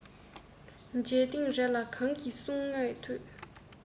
མཇལ ཐེངས རེ ལ གང གི གསུང ངག ཐོས